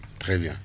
très bien